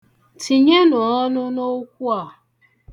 Tinyenụ ọnụ n'okwu a.